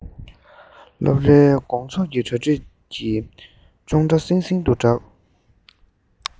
སློབ རའི དགོང ཚོགས ཀྱི གྲ སྒྲིག གི ཅོང སྒྲ སིང སིང དུ གྲགས